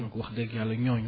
donc wax dëgg Yàlla ñooñu